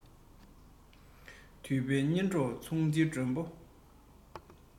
འདུས པའི གཉེན གྲོགས ཚོང འདུས མགྲོན པོ